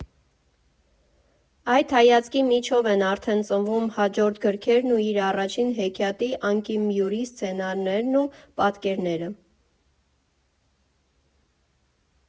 Այդ հայացքի միջով են արդեն ծնվում հաջորդ գրքերն ու իր առաջին հեքիաթի՝ «Անկիմյուրի» սցենարներն ու պատկերները։